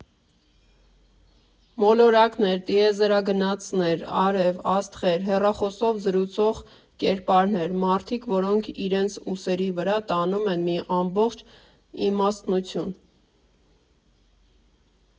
Մոլորակներ, տիեզերագնացներ, արև, աստղեր, հեռախոսով զրուցող կերպարներ, մարդիկ, որոնք իրենց ուսերի վրա տանում են մի ամբողջ իմաստնություն։